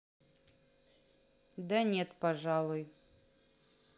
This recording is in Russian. да нет пожалуй